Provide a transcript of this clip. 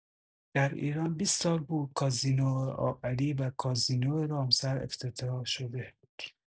در ایران ۲۰ سال بود «کازینو آب علی» و «کازینو رامسر» افتتاح‌شده بود